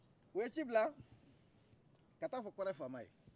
u ye ci bila ka taa fɔ kɔrɛ fama ye